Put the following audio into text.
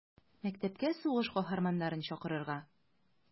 Мәктәпкә сугыш каһарманнарын чакырырга.